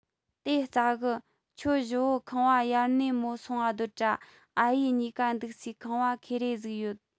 དེ སྩ གི ཁྱོད བཞི བོ ཁང བ ཡར སྣེ མོ སོང ང སྡོད དྲ ཨ ཡེས གཉིས ཀ འདུག སའི ཁང བ ཁེར རེ ཟིག ཡོད